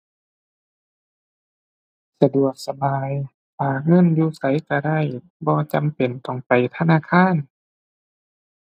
สะดวกสบาย ฝากเงินอยู่ไสก็ได้ บ่จำเป็นต้องไปธนาคาร